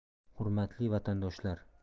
hurmatli vatandoshlar